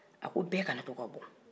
a ko bɛɛ kana to ka bɔ